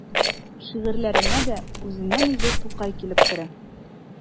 Шигырьләренә дә үзеннән-үзе Тукай килеп керә.